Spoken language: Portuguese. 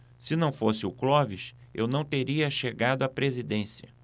se não fosse o clóvis eu não teria chegado à presidência